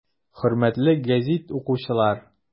Хөрмәтле гәзит укучылар!